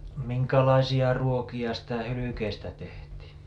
minkälaisia ruokia sitä hylkeestä tehtiin